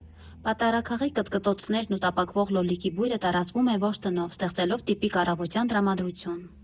Պատառաքաղի կտկտոցներն ու տապակվող լոլիկի բույրը տարածվում է ողջ տնով՝ ստեղծելով տիպիկ առավոտյան տրամադրություն։